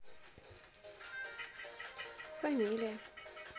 фамилия